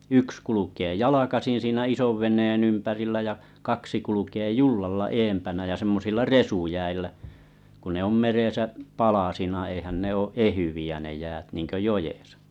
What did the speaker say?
yksi kulkee jalkaisin siinä isonveneen ympärillä ja kaksi kulkee jollalla edempänä ja semmoisilla resujäillä kun ne on meressä palasina eihän ne ole ehyitä ne jäät niin kuin joessa